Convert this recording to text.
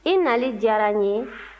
i nali diyara n ye